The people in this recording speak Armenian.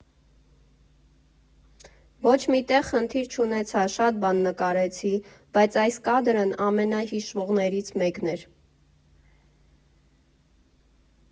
Ոչ մի տեղ խնդիր չունեցա, շատ բան նկարեցի, բայց այս կադրն ամենահիշվողններից մեկն էր։